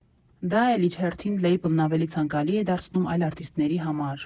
Դա էլ իր հերթին լեյբլն ավելի ցանկալի է դարձնում այլ արտիստների համար։